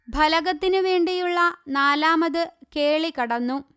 ഫലകത്തിനു വേണ്ടിയുള്ള നാലാമത് കേളി കടന്നു